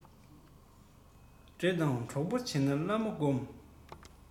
འདྲེ དང གྲོགས པོ བྱེད ན བླ མ སྒོམས